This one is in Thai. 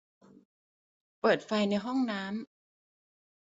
เปิดไฟในห้องน้ำ